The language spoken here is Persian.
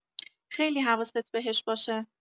خیلی حواست بهش باشه.